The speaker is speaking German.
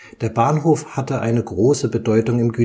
Der Bahnhof hatte eine große Bedeutung